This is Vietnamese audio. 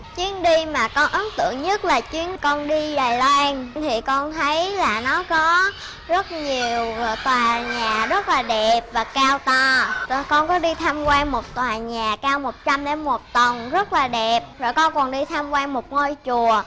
chuyến đi mà con ấn tượng nhất là chuyến con đi đài loan thì con thấy là nó có rất nhiều tòa nhà rất là đẹp và cao to có con có đi tham quan một tòa nhà cao một trăm lẻ một tầng rất là đẹp rồi con còn đi tham quan một ngôi chùa